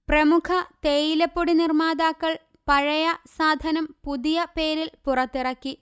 പ്രമുഖ തേയിലപ്പൊടി നിർമാതാക്കൾ പഴയ സാധനം പുതിയ പേരിൽ പുറത്തിറക്കി